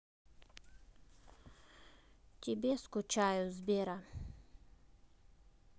тебе скучаю сбера